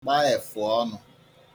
gba èfụ̀ọnụ̄